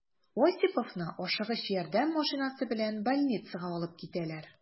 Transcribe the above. Осиповны «Ашыгыч ярдәм» машинасы белән больницага алып китәләр.